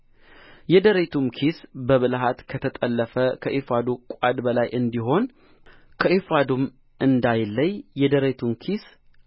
የደረቱም ኪስ በብልሃት ከተጠለፈ ከኤፉዱ ቋድ በላይ እንዲሆን ከኤፉዱም እንዳይለይ የደረቱን ኪስ